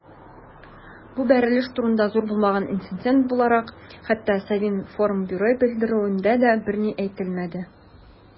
Бу бәрелеш турында, зур булмаган инцидент буларак, хәтта Совинформбюро белдерүендә дә берни әйтелмәде.